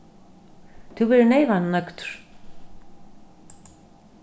tú verður neyvan nøgdur